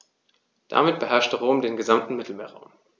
Damit beherrschte Rom den gesamten Mittelmeerraum.